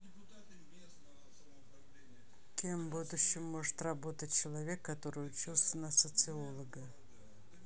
кем в будущем может работать человек который учился на социолога